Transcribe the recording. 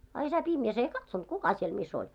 a isä pimeässä ei katsonut kuka siellä missä oli